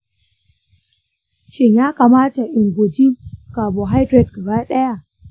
shin ya kamata in guji carbohydrates gaba ɗaya?